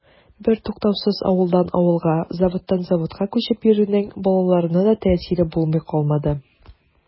Бертуктаусыз авылдан авылга, заводтан заводка күчеп йөрүнең балаларына да тәэсире булмый калмады.